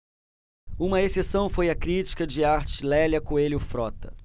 uma exceção foi a crítica de arte lélia coelho frota